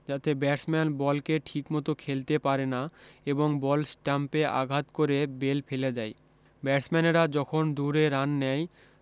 যাতে ব্যাটসম্যান বলকে ঠিকমত খেলতে পারে না এবং বল স্ট্যাম্পে আঘাত করে বেল ফেলে দেয় ব্যাটসম্যানেরা যখন দুড়ে রান নেয়